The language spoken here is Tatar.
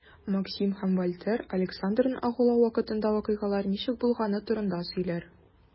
Максим һәм Вальтер Александрны агулау вакытында вакыйгалар ничек булганы турында сөйлиләр.